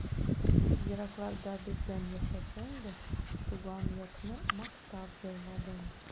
Еракларда бездән яшәсәң дә, Туган якны мактап җырладың.